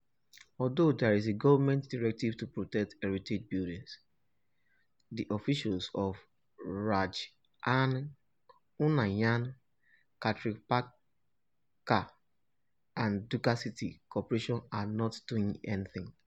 Although there is a government directive to protect heritage buildings, the officials of Rajdhani Unnayan Kartripakkha and Dhaka City Corporation are not doing anything.